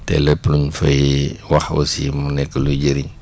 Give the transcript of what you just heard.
te lépp luñ fay wax aussi mu nekk luy jëriñ